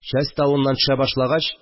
Часть тавыннан төшә башлагач